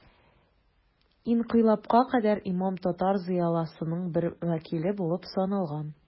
Инкыйлабка кадәр имам татар зыялысының бер вәкиле булып саналган.